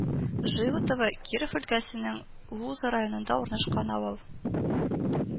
Животово Киров өлкәсенең Луза районында урнашкан авыл